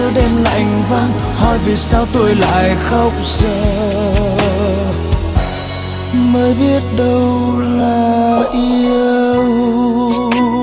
giữa đêm lạnh vắng hỏi vì sao tôi lại khóc giờ mới biết đâu là yêu